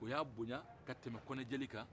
u y'a bonyan ka tɛmɛ konɛ jeli kan